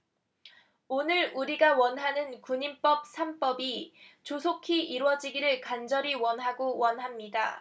오늘 우리가 원하는 군인법 삼 법이 조속히 이뤄지기를 간절히 원하고 원합니다